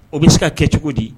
O bɛ se ka kɛ cogo di